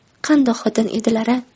qandoq xotin edilar a